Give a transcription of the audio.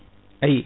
ayi